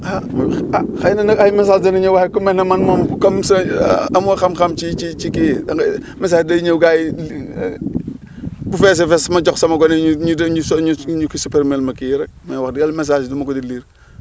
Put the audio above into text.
ah ah xëy na nag ay messages dana ñëw waaye ku mel ne man moom bu comme amoo xam-xam ci ci ci kii message day ñëw gars yi bu feesee fees ma jox sama gone yi ñu ñu ñu ñu supprimer ma kii yi rek mais wax dëgg yàlla message du ma ko di lire